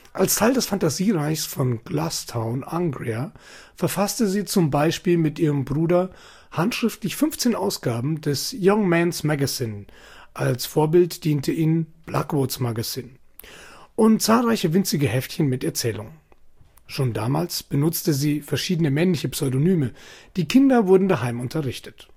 Als Teil des Phantasiereichs von Glass Town/Angria verfasste sie z.B. mit ihrem Bruder handschriftlich 15 Ausgaben des „ Young Men 's Magazine “(als Vorbild diente ihnen „ Blackwood 's Magazine “) und zahlreiche winzige Heftchen mit Erzählungen. Schon damals benutzte sie verschiedene männliche Pseudonyme. Die Kinder wurden daheim unterrichtet